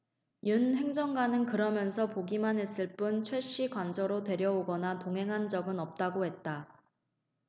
윤 행정관은 그러면서 보기만 했을 뿐 최씨를 관저로 데려오거나 동행한 적은 없다고 했다